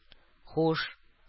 Һуш